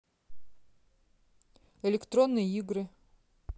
электронные игры